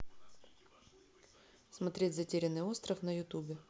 смотреть затерянный остров на ютубе